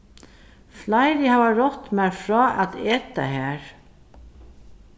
fleiri hava rátt mær frá at eta har